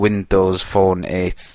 Windows phone eight